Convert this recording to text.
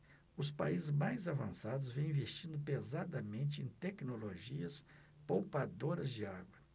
os países mais avançados vêm investindo pesadamente em tecnologias poupadoras de água